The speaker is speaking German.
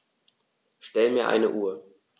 Stell mir eine Uhr.